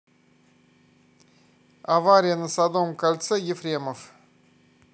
авария на садовом кольце ефремов